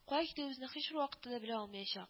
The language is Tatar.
Кая китүебезне һичбер вакытта да белә алмаячак